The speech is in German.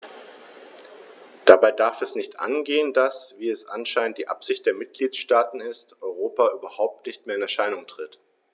Dabei darf es nicht angehen, dass - wie es anscheinend die Absicht der Mitgliedsstaaten ist - Europa überhaupt nicht mehr in Erscheinung tritt.